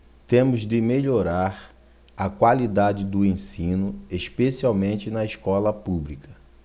temos de melhorar a qualidade do ensino especialmente na escola pública